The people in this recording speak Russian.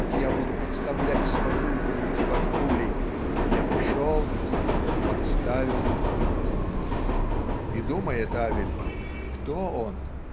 как я буду подставлять свою грудь под пули. И я пошел и подставил". И думае! Авель: "Кто он?